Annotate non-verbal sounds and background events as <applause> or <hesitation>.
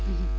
<hesitation> <hesitation>